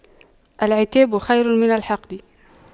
العتاب خير من الحقد